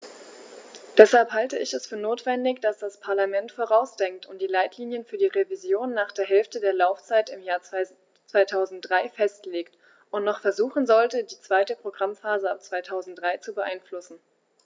Deshalb halte ich es für notwendig, dass das Parlament vorausdenkt und die Leitlinien für die Revision nach der Hälfte der Laufzeit im Jahr 2003 festlegt und noch versuchen sollte, die zweite Programmphase ab 2003 zu beeinflussen.